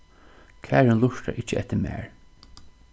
karin lurtar ikki eftir mær